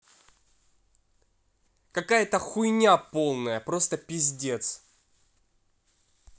какая то хуйня полная просто пиздец